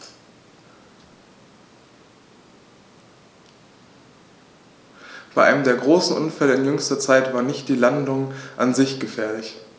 Bei einem der großen Unfälle in jüngster Zeit war nicht die Ladung an sich gefährlich.